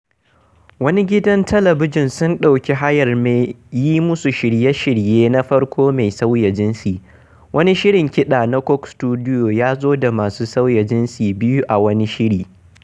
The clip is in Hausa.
Wani gidan talabijin sun ɗauki hayar mai yi musu shirye-shirye na farko mai sauyin jinsi; wani shirin kiɗa na Coke Studio, ya zo da masu sauya jinsi biyu a wani shiri.